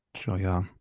Joio!